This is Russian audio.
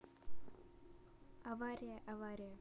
авария авария